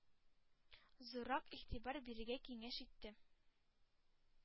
Зуррак игътибар бирергә киңәш итте.